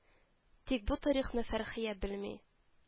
Тик бу тарихны Фәрхия белми